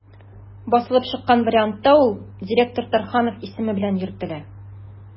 Басылып чыккан вариантта ул «директор Тарханов» исеме белән йөртелә.